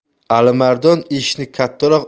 alimardon eshikni kattaroq